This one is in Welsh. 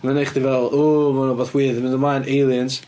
Ma' nhw'n wneud chdi feddwl "w ma' 'na rhywbeth weird yn mynd ymlaen aliens".